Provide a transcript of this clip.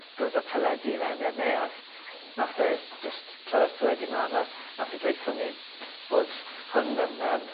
dod â teledu i fewn i'r neuadd. O ie? Nath e jyst troi'r teledu mlan a nath e dweutho ni bod hwn yn yym